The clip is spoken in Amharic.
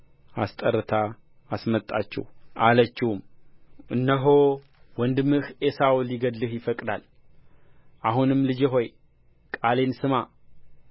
አስጠርታ አስመጣችው አለችውም እነሆ ወንድምህ ዔሳው ሊገድልህ ይፈቅዳል አሁንም ልጄ ሆይ ቃሌን ስማ